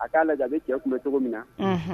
A k'a la lajɛ tiɲɛ kun bɛ cogo min na